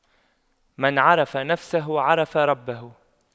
من عرف نفسه عرف ربه